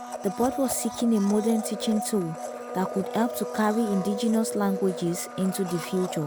The Board was seeking a modern teaching tool that could help to carry indigenous languages into the future.